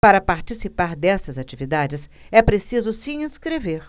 para participar dessas atividades é preciso se inscrever